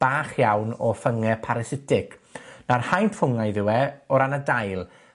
bach iawn o ffynge parasitic. Nawr haint ffwngaidd yw e, o ran y dail.